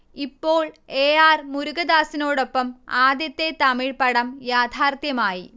ഇപ്പോൾ A. R മുരുഗദാസിനോടൊപ്പം ആദ്യത്തെ തമിഴ് പടം യാഥാർഥ്യമായി